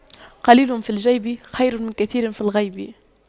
قليل في الجيب خير من كثير في الغيب